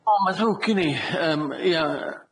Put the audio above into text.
O, ma'n ddrwg gen i. Yym, ia.